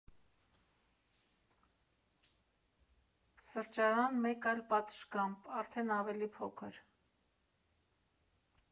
Սրճարան, մեկ այլ պատշգամբ՝ արդեն ավելի փոքր։